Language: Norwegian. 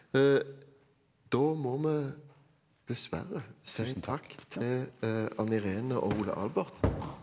da må vi dessverre si takk til Anne Irene og Ole Albert.